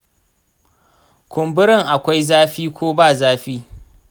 kumburin akwai zafi ko ba zafi?